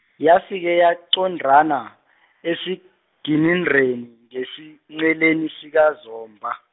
yafike yaqomdana, esiginindeni ngesinceleni sikaZomba.